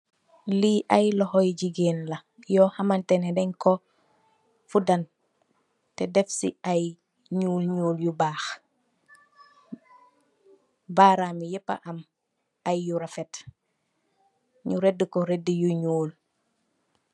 Lii aiiy lokho yii gigain la yor hamanteh neh denkor fudan, teh def cii aiiy njull njull yu bakh, bahram yii yepah amm aiiy yu rafet, nju redi kor redi yu njull.